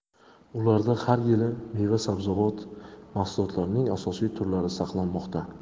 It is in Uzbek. ularda har yili meva sabzavot mahsulotlarining asosiy turlari saqlanmoqda